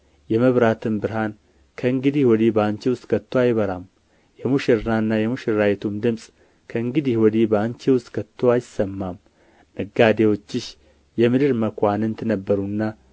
የመብራትም ብርሃን ከእንግዲህ ወዲህ በአንቺ ውስጥ ከቶ አይበራም የሙሽራና የሙሽራይቱም ድምጽ ከእንግዲህ ወዲህ በአንቺ ውስጥ ከቶ አይሰማም ነጋዴዎችሽ የምድር መኳንንት ነበሩና